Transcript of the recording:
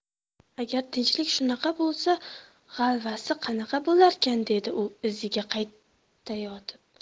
agar tinchlik shunaqa bo'lsa g'alvasi qanaqa bo'larkan dedi u iziga qaytayotib